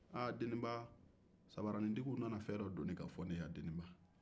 aa deninba samaranintigiw nana fɛn dɔ donni ka fɔ ne ye yan deninba